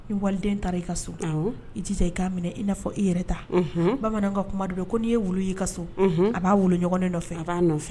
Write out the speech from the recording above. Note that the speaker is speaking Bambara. Ni waliden taara i ka so i ji i k'a minɛ i n'a fɔ i yɛrɛ ta bamanan ka kuma don ko n'i ye wu y' i ka so a b'a wolo ɲɔgɔnin nɔfɛ a b'a nɔfɛ